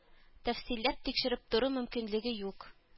Тәфсилләп тикшереп тору мөмкинлеге юк